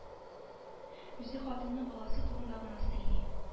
Үзе хатыны баласы турында гына сөйли